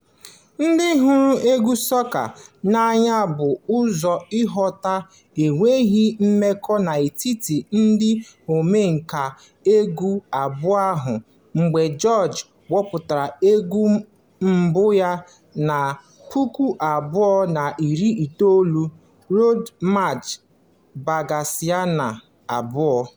Ndị hụrụ egwu sọka n'anya bụ ụzọ hụta enweghị mmekọ n'etiti ndị omenka egwu abụọ ahụ mgbe George wepụtara egwu mbụ ya na 2019, "Road March Bacchanal 2".